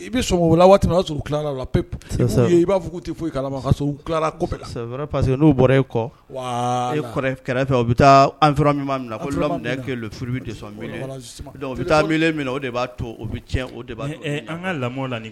I bɛ'a sɔrɔla i baseke n'o bɔra kɔ kɛrɛfɛ fɛ bɛ furu mi o de b'a de an ka lamɔ